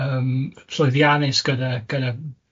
yym, llwyddiannus gyda gyda